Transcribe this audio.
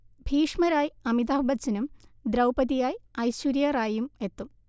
ഭീഷ്മരായി അമിതാഭ് ബച്ചനും ദ്രൗപതിയായി ഐശ്വര്യ റായിയും എത്തും